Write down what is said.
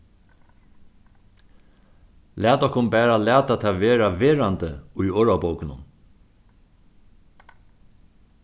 lat okkum bara lata tað verða verandi í orðabókunum